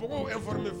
Mɔgɔw informer